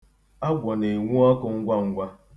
Agwọ na-enwu ọkụ ngwa ngwa.